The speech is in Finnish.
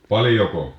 paljonko